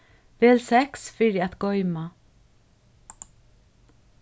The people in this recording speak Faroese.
vel seks fyri at goyma